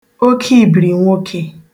okeìbìrì nwoke